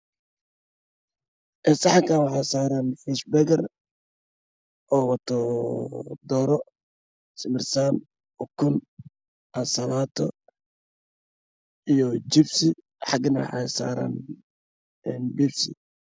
Saxankaan waxaa saaran malay simir soon io basal